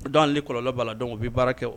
Donli kɔlɔlɔnlɔ b'a dɔn u bɛ baara kɛ o